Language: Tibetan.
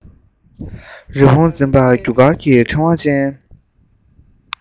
རི བོང འཛིན པ རྒྱུ སྐར གྱི ཕྲེང བ ཅན